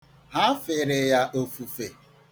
Ha fere ya ofufe.